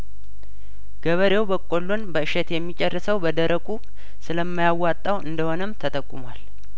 ገበሬው በቆሎን በእሸት የሚጨርሰው በደረቁ ስለማያዋጣው እንደሆነም ተጠቁሟል